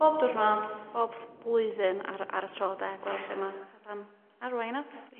bob dwrnod bob blwyddyn ar ar y tro de? Gweld lle ma' petha'n arwain at arwain at.